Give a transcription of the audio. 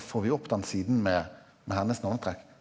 får vi opp den siden med med hennes navnetrekk?